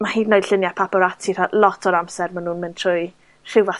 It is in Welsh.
Ma' hyd yn oed llunia' paparazzi 'tha lot o'r amser, ma' nw'n mynd trwy rhyw fath